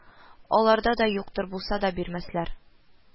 Аларда да юктыр, булса да бирмәсләр